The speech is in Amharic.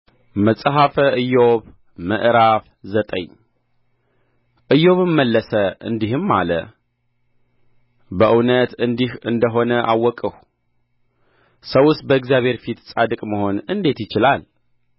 መጽሐፈ ኢዮብ ምዕራፍ ዘጠኝ ኢዮብም መለሰ እንዲህም አለ በእውነት እንዲህ እንደ ሆነ አወቅሁ ሰውስ በእግዚአብሔር ፊት ጻድቅ መሆን እንዴት ይችላል